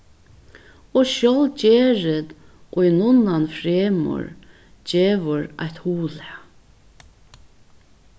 og sjálv gerðin ið nunnan fremur gevur eitt huglag